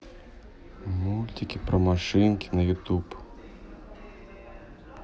мультики про машинки на ютуб